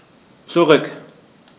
Zurück.